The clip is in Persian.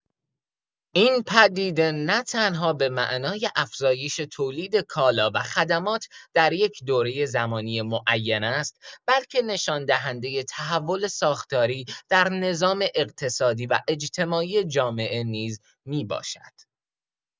این پدیده نه‌تنها به معنای افزایش تولید کالا و خدمات در یک دورۀ زمانی معین است، بلکه نشان‌دهندۀ تحول ساختاری در نظام اقتصادی و اجتماعی جامعه نیز می‌باشد.